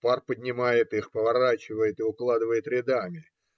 Пар поднимает их, поворачивает и укладывает рядами.